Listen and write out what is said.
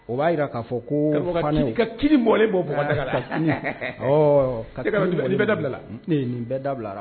O b'a jira k'a fɔ ko ka ki bɔlen bɔ da ka dabilala ne ye nin bɛɛ dabilala